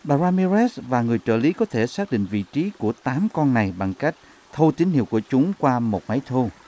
bà roai mi rét và người trợ lý có thể xác định vị trí của tám con này bằng cách thu tín hiệu của chúng qua một máy thu